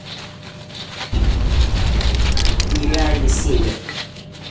нереальный север